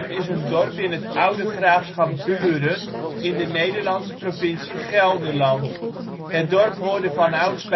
is een dorp in het oude Graafschap Buren in de Nederlandse provincie Gelderland. Het dorp hoorde vanouds